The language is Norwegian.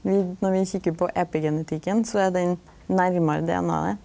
vi når vi kikkar på epigenetikken så er den nærare DNA-et.